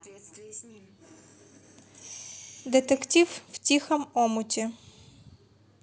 детектив в тихом омуте